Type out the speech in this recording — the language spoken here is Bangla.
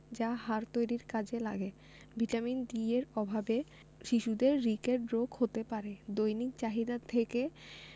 যা হাড় তৈরীর কাজে লাগে ভিটামিন D এর অভাবে শিশুদের রিকেট রোগ হতে পারে দৈনিক চাহিদা থেকে